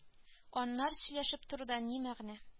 Аннары сөйләшеп торуда ни мәгънә